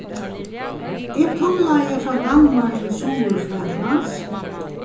eg tumlaði frá danmark til suðurfraklands